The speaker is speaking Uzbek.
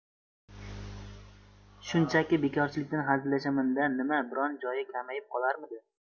shunchaki bekorchilikdan hazillashamanda nima biron joyi kamayib qolarmidi